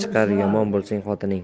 chiqar yomon bo'lsang xotining